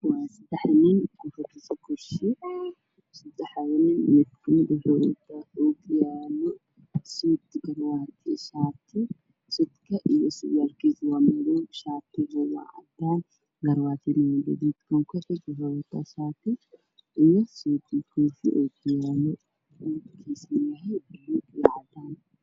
Waa sadex nin io sadex kursi ,sadexda nin mid wuxuu wataa ookiyaalo suud garwaati shaati suudka io sarwaalkiisu waa madow shaatiga waa cadaan garwaatiga waa gaduud kan ku xiga wuxuu wataa shaati io suud koofi io ookiyaalo midabkiisu yahay gaduud io cadaan